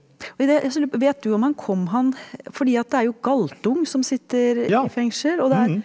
og det har jeg også lurt om, vet du om han kom han fordi at det er jo Galtung som sitter i fengsel og det er.